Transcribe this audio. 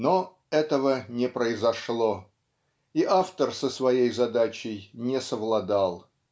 Но этого не произошло, и автор со своей задачей не совладал.